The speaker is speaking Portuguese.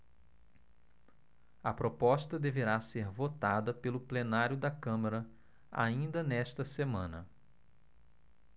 a proposta deverá ser votada pelo plenário da câmara ainda nesta semana